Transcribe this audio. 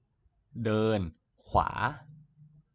เดินขวา